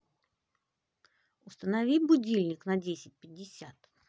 установи будильник на десять пятьдесят